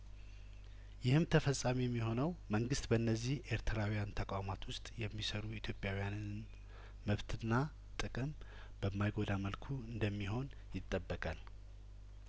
ይህም ተፈጻሚ የሚሆነው መንግስት በነዚህ ኤርትራውያን ተቋማት ውስጥ የሚሰሩ ኢትዮጵያውያንን መብትና ጥቅም በማይጐዳ መልኩ እንደሚሆን ይጠበቃል